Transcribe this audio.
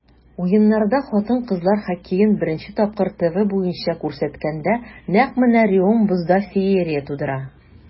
Уеннарда хатын-кызлар хоккеен беренче тапкыр ТВ буенча күрсәткәндә, нәкъ менә Реом бозда феерия тудыра.